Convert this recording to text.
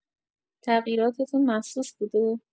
تغییراتتون محسوس بوده؟